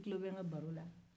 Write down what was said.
e kulo bɛ n ka baro la